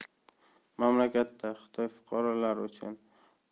mamlakatda xitoy fuqarolari